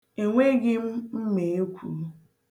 E nweghi m mmeekwu.